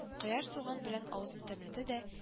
Кыяр, суган белән авызын тәмләтә дә